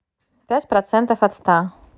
пять процентов от ста